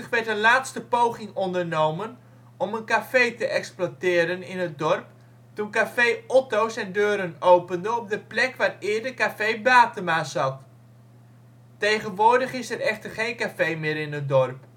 werd een laatste poging ondernomen om een café te exploiteren in het dorp toen café Otto zijn deuren opende op de plek waar eerder café Batema zat. Tegenwoordig is er echter geen café meer in het dorp